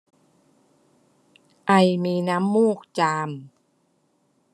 ไอมีน้ำมูกจาม